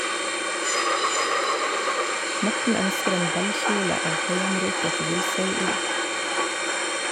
Morten ønsker en ballkjole av høyanriket villsauull.